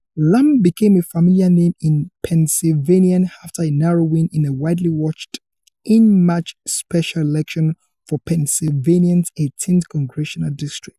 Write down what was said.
Lamb became a familiar name in Pennsylvania after a narrow win in a widely watched in March special election for Pennsylvania's 18th Congressional District.